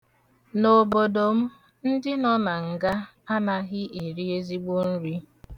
N'obodo m, ndị nọ na nga anaghị eri ezigbo nri.